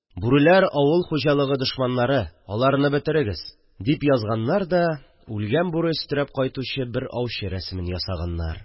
«бүреләр – авыл хуҗалыгы дошманнары. аларны бетерегез», – дип язганнар да, үлгән бүре өстерәп кайтучы бер аучы рәсемен ясаганнар